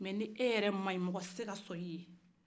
ni e yɛrɛ maɲ mɔgɔ wɛrɛ tɛ se ka son i ye